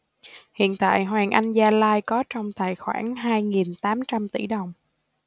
hiện tại hoàng anh gia lai có trong tài khoản hai nghìn tám trăm tỷ đồng